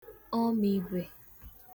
ọmịigwē